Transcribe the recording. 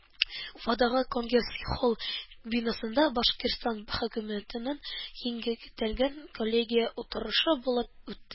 Уфадагы Конгресс-холл бинасында Башкортстан хөкүмәтенең киңәйтелгән коллегия утырышы булып үтте